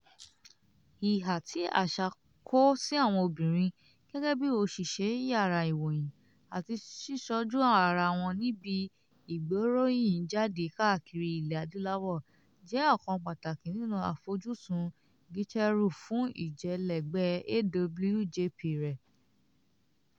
Ìhà tí àṣà kọ sí àwọn obìnrin - gẹ́gẹ́ bíi òṣìṣẹ́ yàrá ìròyìn, àti sísojú ara wọn níbi ìgbéròyìnjáde káàkiri ilẹ̀ Adúláwò - jẹ́ ọ̀kan pàtàkì nínú àfojúsùn Gicheru fún ìjẹ́lẹgbẹ́ AWJP rẹ̀.